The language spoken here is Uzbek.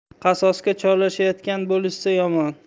qasosga chorlashayotgan bo'lishsa yomon